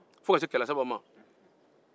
fo ka se kɛlɛ saba ma